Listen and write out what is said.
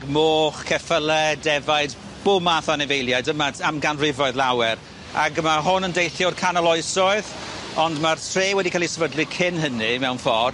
moch, ceffyle, defaid, bob math o anifeiliaid yma t- am ganrifoedd lawer, ag ma' hwn yn deillio o'r canol oesoedd, ond ma'r tre wedi ca'l 'i sefydlu cyn hynny mewn ffor.